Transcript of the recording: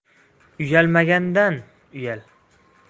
uyalmagandan uyal